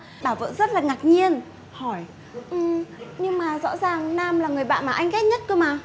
bà vợ rất là ngạc nhiên hỏi nhưng nhưng mà rõ ràng nam là người bạn mà anh ghét nhất cơ mà